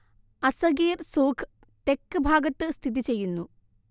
അസ്സഗീർ സൂഖ് തെക്ക് ഭാഗത്ത് സ്ഥിതി ചെയ്യുന്നു